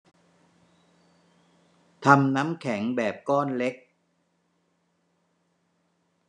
ทำน้ำแข็งแบบก้อนเล็ก